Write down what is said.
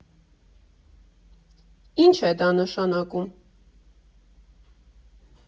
Ի՞նչ է դա նշանակում։